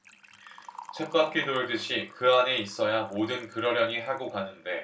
쳇바퀴 돌 듯이 그 안에 있어야 뭐든 그러려니 하고 가는데